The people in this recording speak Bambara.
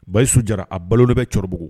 Bayisu Jara a balolen bɛ Ncɔribugu